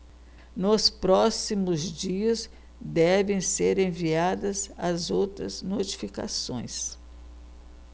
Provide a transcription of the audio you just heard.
nos próximos dias devem ser enviadas as outras notificações